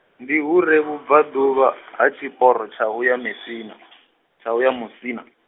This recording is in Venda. ndi hu re vhubvaḓuvha ha tshiporo tsha u ya Mesina, tsha u ya Musina.